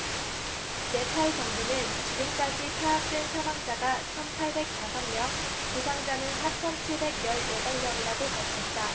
네팔 정부는 지금까지 파악된 사망자가 천 팔백 다섯 명 부상자는 사천 칠백 열 여덟 명이라고 밝혔다